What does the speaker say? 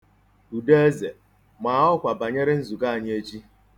Udeeze, maa ọkwa banyere nzukọ anyị echi.